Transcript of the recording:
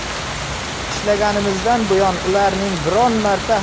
ishlaganimizdan buyon ularning biron marta